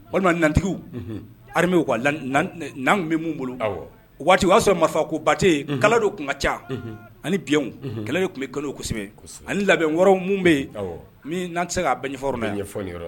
Walima nantigiw ha tun bɛ mun bolo waati o y'a sɔrɔ marifa ko batɛ kala dɔw tun ka ca ani biyan kɛlɛ de tun bɛ kalow ani labɛn wɔɔrɔ minnu bɛ yen nanan tɛ se'a bɛ ɲɛ ɲɛfɔ